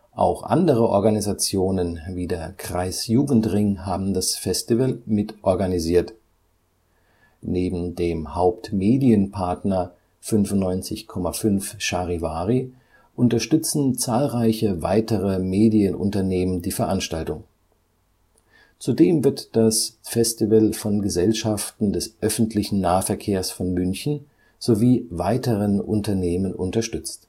Auch andere Organisationen wie der Kreisjugendring haben das Festival mitorganisiert. Neben dem Hauptmedienpartner 95.5 Charivari unterstützen zahlreiche weitere Medienunternehmen die Veranstaltung. Zudem wird das Festival von Gesellschaften des öffentlichen Nahverkehrs von München sowie weiteren Unternehmen unterstützt